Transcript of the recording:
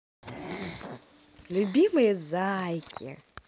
любимые зайки